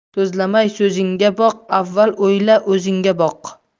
so'zlamay so'zingga boq avval o'yla o'zingga boq